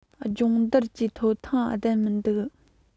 སྦྱོང བརྡར གྱི ཐོབ ཐང ལྡན མི འདུག